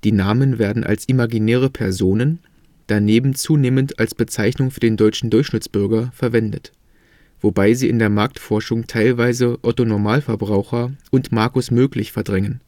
Namen werden als imaginäre Personen – daneben zunehmend als Bezeichnung für den deutschen Durchschnittsbürger – verwendet, wobei sie in der Marktforschung teilweise Otto Normalverbraucher und Markus Möglich verdrängen